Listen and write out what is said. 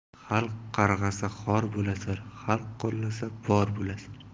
xalq qarg'asa xor bo'lasan xalq qo'llasa bor bo'lasan